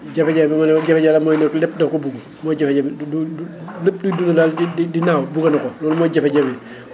jafe-jafe bi moo ne jafe-jafe bi daal mooy lépp da fa ko bëgg mooy jafe-jafe bi du du lépp luy dund daal di di di naaw bëgg na ko loolu mooy jafe-jafe bi